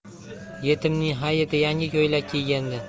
yetimning hayiti yangi ko'ylak kiyganda